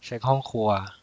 เช็คห้องครัว